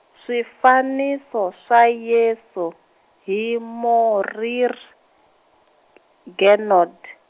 swifaniso swa Yesu, hi Morier, Genoud.